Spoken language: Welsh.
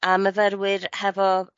a myfyrwyr hefo